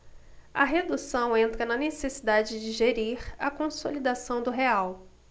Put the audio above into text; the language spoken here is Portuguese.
a redução entra na necessidade de gerir a consolidação do real